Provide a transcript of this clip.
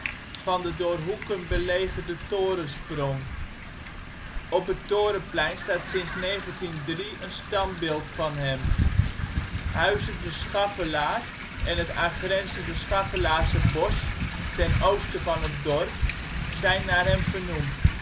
van de door Hoeken belegerde toren sprong. Op het Torenplein staat sinds 1903 een standbeeld van hem. Huize De Schaffelaar en het aangrenzende Schaffelaarse bos, ten oosten van het dorp, zijn naar hem vernoemd. Sinds